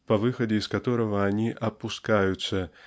по выходе из которого они "опускаются"